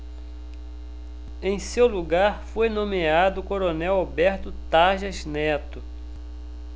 em seu lugar foi nomeado o coronel alberto tarjas neto